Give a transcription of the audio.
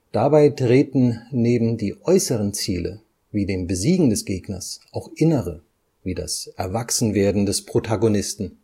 Dabei treten neben die äußeren Ziele, wie dem Besiegen des Gegners, auch innere, wie das Erwachsenwerden des Protagonisten